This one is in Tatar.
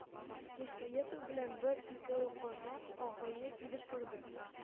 Нурсәетов белән бер-ике казакъ агае килеп керде